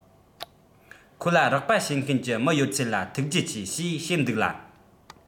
ཁོ ལ རོགས པ བྱེད མཁན གྱི མི ཡོད ཚད ལ ཐུགས རྗེ ཆེ ཞེས བཤད འདུག ལ